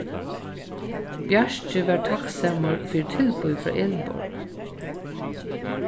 bjarki var takksamur fyri tilboðið frá elinborg